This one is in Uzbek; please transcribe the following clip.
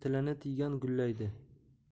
tilini tiygan gullaydi